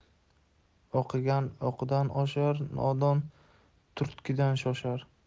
o'qigan o'qdan oshar nodon turtkidan shoshar